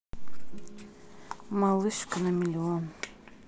малышка на миллион